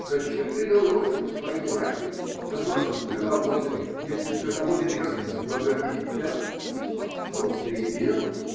Зачем велел Иосиф своим братьям назваться скотоводами, если скотоводы – мерзость в глазах египтян? А в том-то и дело.